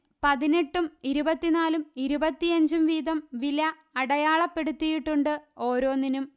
പതിനെട്ടും ഇരുപത്തിനാലും ഇരുപത്തിയഞ്ചും വീതം വില അടയാളപ്പെടുത്തിയിട്ടുണ്ട് ഓരോന്നിനും